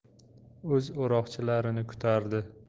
o'z o'roqchilarini kutardi